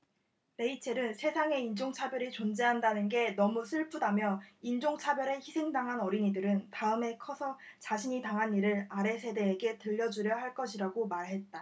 레이첼은 세상에 인종차별이 존재한다는 게 너무 슬프다며 인종차별에 희생당한 어린이들은 다음에 커서 자신이 당한 일을 아래 세대에게 돌려주려 할 것이라고 말했다